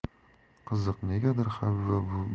qiziq negadir habiba buvi